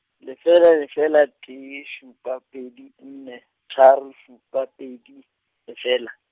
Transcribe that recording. lefela lefela tee šupa pedi nne, tharo šupa pedi, lefela.